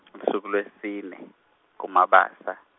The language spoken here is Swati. lusuku lwesine, kuMabasa.